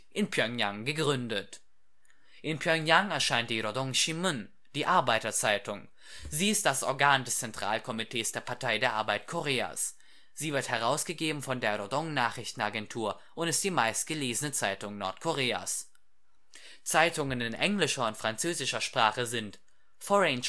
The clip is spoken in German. in Pjöngjang gegründet. In Pjöngjang erscheint die Rodong Sinmun („ Arbeiterzeitung “). Sie ist das Organ des Zentralkomitees der Partei der Arbeit Koreas. Sie wird herausgegeben von der Rodong Nachrichtenagentur und ist die meistgelesene Zeitung Nordkoreas. Zeitungen in englischer und französischer Sprache sind Foreign